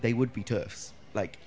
they would be TERFs, like.